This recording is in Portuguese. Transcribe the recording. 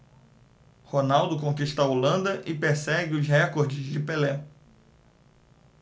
ronaldo conquista a holanda e persegue os recordes de pelé